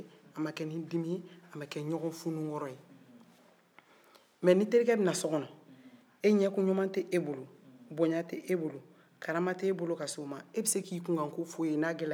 mɛ terikɛ bɛ na so kɔnɔ ɲɛko ɲuman tɛ e bolo bonya tɛ e bolo karama tɛ e bolo ka se o ma e bɛ se ka i kunkanko fɔ o ye ni a gɛlɛyara don min wa